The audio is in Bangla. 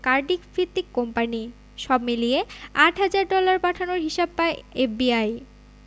কার্ডিফভিত্তিক কোম্পানি সব মিলিয়ে আট হাজার ডলার পাঠানোর হিসাব পায় এফবিআই